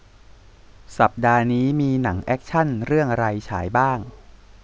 สัปดาห์นี้มีหนังแอ็คชั่นเรื่องอะไรฉายบ้าง